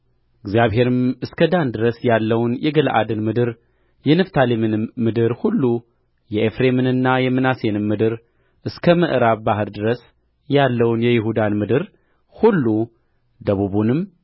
እግዚአብሔርም እስከዳን ድረስ ያለውን የገለዓድን ምድር የንፍታሌምንም ምድር ሁሉ የኤፍሬምንና የምናሴንም ምድር እስከ ምዕራብም ባሕር ድረስ ያለውን የይሁዳን ምድር ሁሉ ደቡብንም